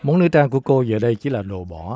món nữ trang của cô giờ đây chỉ là đồ bỏ